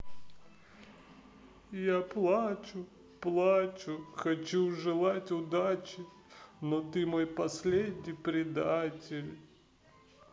я плачу плачу хочу желать удачи но ты мой последний предатель